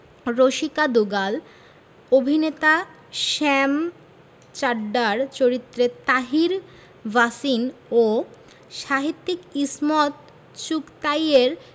রসিকা দুগাল অভিনেতা শ্যাম চাড্ডার চরিত্রে তাহির ভাসিন ও সাহিত্যিক ইসমত চুগতাইয়ের